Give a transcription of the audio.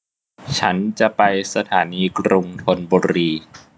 ฉันจะไปสถานีกรุงธนบุรี